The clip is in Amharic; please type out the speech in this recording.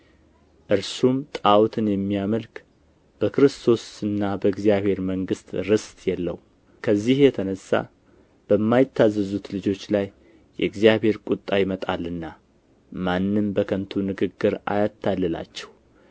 እርሱም ጣዖትን የሚያመልክ በክርስቶስና በእግዚአብሔር መንግሥት ርስት የለውም ከዚህ የተነሣ በማይታዘዙት ልጆች ላይ የእግዚአብሔር ቁጣ ይመጣልና ማንም በከንቱ ንግግር አያታልላችሁ